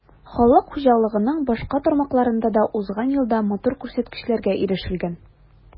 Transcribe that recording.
Халык хуҗалыгының башка тармакларында да узган елда матур күрсәткечләргә ирешелгән.